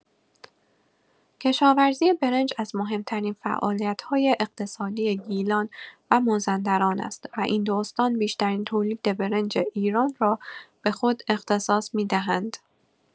کشاورزی برنج از مهم‌ترین فعالیت‌های اقتصادی گیلان و مازندران است و این دو استان بیشترین تولید برنج ایران را به خود اختصاص می‌دهند.